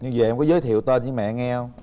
nhưng dề em có giới thiệu tên với mẹ nghe hông